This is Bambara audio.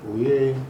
Ee